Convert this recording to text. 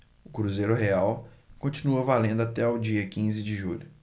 o cruzeiro real continua valendo até o dia quinze de julho